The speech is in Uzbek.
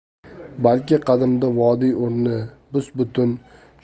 balki qadimda vodiy o'rni bus butun